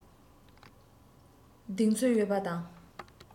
གདེང ཚོད ཡོད པ དང